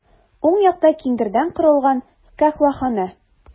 Уң якта киндердән корылган каһвәханә.